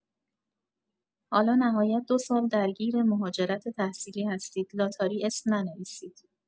حالا نهایت دو سال درگیر مهاجرت تحصیلی هستید لاتاری اسم ننویسید.